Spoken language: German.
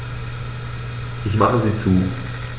Ich mache sie zu.